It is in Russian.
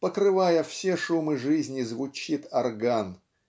Покрывая все шумы жизни, звучит орган.